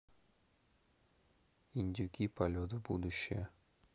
индюки полет в будущее